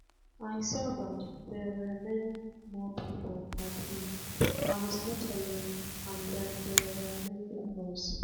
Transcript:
I saw that there were many more people like me, I was not alone and that there were many of us!